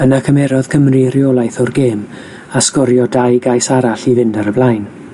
Yna cymerodd Cymru reolaeth o'r gêm a sgorio dau gais arall i fynd ar y blaen.